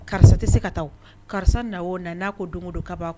Karisa tɛ se ka taa wo, karisa na o na n'a ko don o don k'a b'a